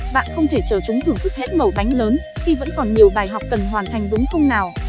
bạn không thể chờ chúng thưởng thức hết mẩu bánh lớn khi vẫn còn nhiều bài học cần hoàn thành đúng không nào